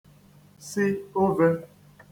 si ovẹ̄